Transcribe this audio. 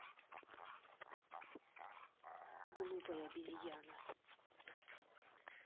глупая обезьяна